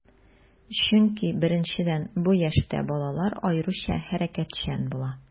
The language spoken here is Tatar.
Чөнки, беренчедән, бу яшьтә балалар аеруча хәрәкәтчән була.